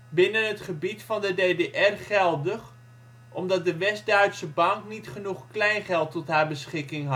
binnen het gebied van de DDR geldig, omdat de West-Duitse bank niet genoeg kleingeld tot haar beschikking